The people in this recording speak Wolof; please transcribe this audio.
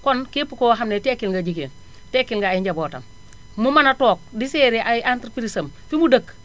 kon képp koo xam ne tekkil nga jigéen tekkil nga ay njabootam mu mën a toog di géré ay entreprises am fi mu dëkk